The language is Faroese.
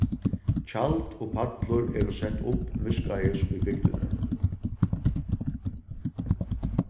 tjald og pallur eru sett upp miðskeiðis í bygdini